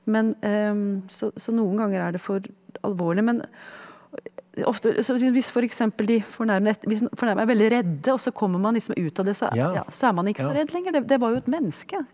men så så noen ganger er det for alvorlig, men ofte hvis f.eks. de fornærmede hvis fornærma er veldig redde og så kommer man liksom ut av det så ja så er man ikke så redd lenger, det det var jo et menneske.